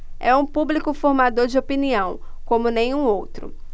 é um público formador de opinião como nenhum outro